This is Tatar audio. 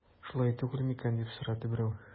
Шулай түгел микән дип сорады берәү.